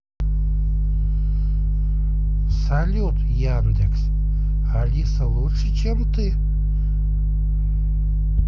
салют яндекс алиса лучше чем ты